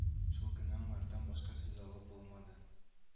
Шул көнне аңардан башка сүз алып булмады